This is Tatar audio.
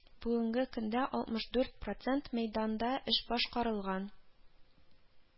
Бүгенге көндә алтмыш дүрт процент мәйданда эш башкарылган